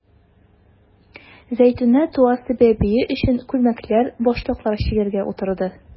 Зәйтүнә туасы бәбие өчен күлмәкләр, башлыклар чигәргә утырды.